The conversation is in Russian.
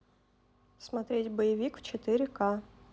смотреть боевик в четыре ка